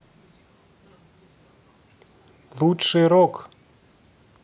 лучший рок